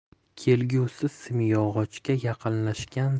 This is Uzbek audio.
kelgusi simyog'ochga yaqinlashgan